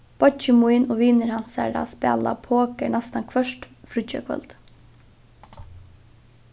beiggi mín og vinir hansara spæla poker næstan hvørt fríggjakvøld